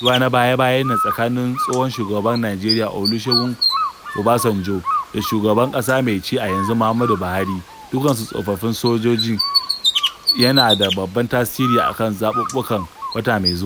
Rashin jituwa na baya-bayan nan na tsakanin tsohon shugaban Najeriya Olusegun Obasanjo da shugaban ƙasa mai ci a yanzu Muhammadu Buhari - dukkansu tsofaffin shugabannin sojoji - yana da babban tasiri a kan zaɓuɓɓukan wata mai zuwa.